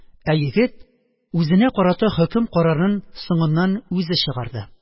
Ә егет үзенә карата хөкем карарын соңыннан үзе чыгарды: